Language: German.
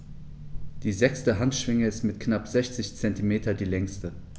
Die sechste Handschwinge ist mit knapp 60 cm die längste.